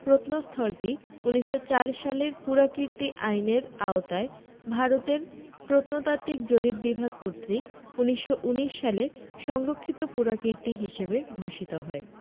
প্রত্নস্থলটি ১৯০৪ সালের পুরাকীর্তি আইনের আওতায় ভারতের প্রত্নতাত্ত্বিক জরিপ বিভাগ কর্তৃক ১৯১৯ সালে সংরক্ষিত পুরাকীর্তি হিসেবে ঘোষিত হয়